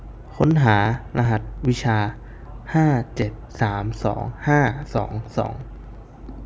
ค้นหารหัสวิชาห้าเจ็ดสามสองห้าสองสอง